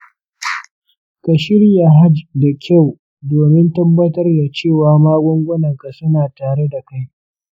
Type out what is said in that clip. ka shirya hajj da kyau domin tabbatar da cewa magungunanka suna tare da kai.